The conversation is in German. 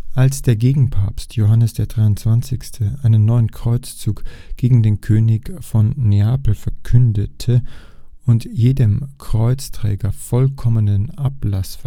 Als der Gegenpapst Johannes XXIII. einen neuen Kreuzzug gegen den König von Neapel verkündete und jedem „ Kreuzträger “vollkommenen Ablass